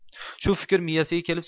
shu fikr miyasiga kelib